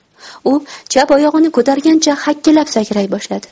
u chap oyog'ini ko'targancha hakkalab sakray boshladi